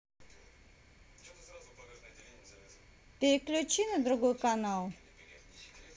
переключи на другой канал